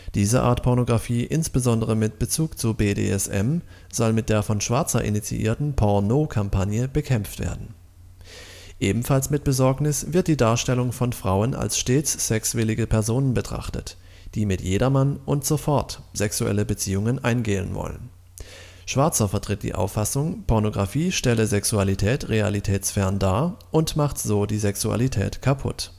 Diese Art Pornografie insbesondere mit Bezug zu BDSM soll mit der von Schwarzer initiierten PorNO-Kampagne bekämpft werden. Ebenfalls mit Besorgnis wird die Darstellung von Frauen als stets sexwillige Personen betrachtet, die mit jedermann und sofort sexuelle Beziehungen eingehen wollen. Schwarzer vertritt die Auffassung Pornografie stelle Sexualität realitätsfern dar und „ macht so die Sexualität kaputt